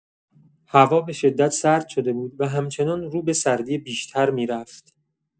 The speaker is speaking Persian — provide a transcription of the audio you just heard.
هوا به‌شدت سرد شده بود و همچنان رو به سردی بیشتر می‌رفت.